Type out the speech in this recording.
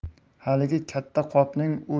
haligi katta qopning u